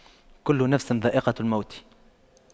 كُلُّ نَفسٍ ذَائِقَةُ المَوتِ